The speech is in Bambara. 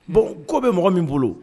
Bon kɔ bɛ mɔgɔ min bolo